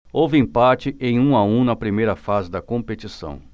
houve empate em um a um na primeira fase da competição